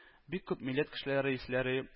Бик күп милләт кешеләре исләре